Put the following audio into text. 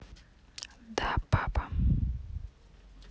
да папа